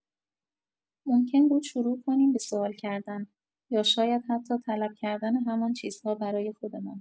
ممکن بود شروع کنیم به سوال کردن، یا شاید حتی طلب‌کردن همان چیزها برای خودمان.